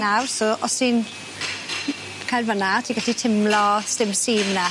Nawr so os ti'n cael fyn 'na ti gallu timlo sdim sîm 'na.